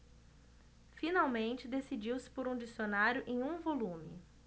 finalmente decidiu-se por um dicionário em um volume